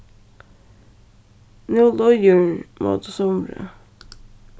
nú líður móti sumri